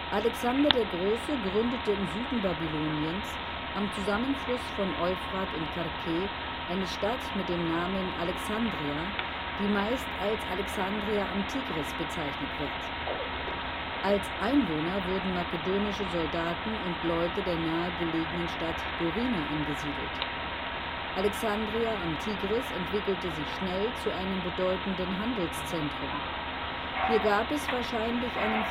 Alexander der Große gründete im Süden Babyloniens, am Zusammenfluss von Euphrat und Karkheh eine Stadt mit dem Namen Alexandria, die meist als Alexandria am Tigris bezeichnet wird. Als Einwohner wurden makedonische Soldaten und Leute der nahegelegenen Stadt Durine angesiedelt. Alexandria am Tigris entwickelte sich schnell zu einem bedeutenden Handelszentrum. Hier gab es wahrscheinlich einen